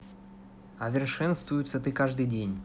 овершенствуются ты каждый день